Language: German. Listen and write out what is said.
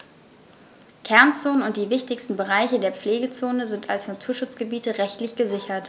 Kernzonen und die wichtigsten Bereiche der Pflegezone sind als Naturschutzgebiete rechtlich gesichert.